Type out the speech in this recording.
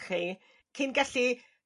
chi cyn gallu